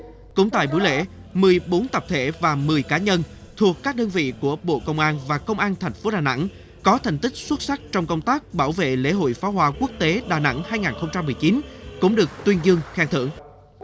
cũng tại buổi lễ mười bốn tập thể và mười cá nhân thuộc các đơn vị của bộ công an và công an thành phố đà nẵng có thành tích xuất sắc trong công tác bảo vệ lễ hội pháo hoa quốc tế đà nẵng hai ngàn không trăm mười chín cũng được tuyên dương khen thưởng